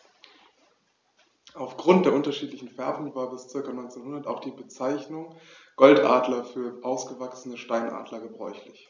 Auf Grund der unterschiedlichen Färbung war bis ca. 1900 auch die Bezeichnung Goldadler für ausgewachsene Steinadler gebräuchlich.